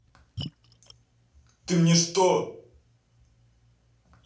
ты мне что